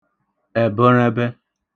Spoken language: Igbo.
ẹ̀bə̣ṙẹbẹ